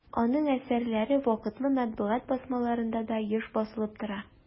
Аның әсәрләре вакытлы матбугат басмаларында да еш басылып тора.